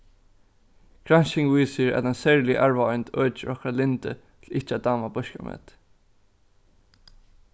gransking vísir at ein serlig arvaeind økir okkara lyndi til ikki at dáma beiskan mat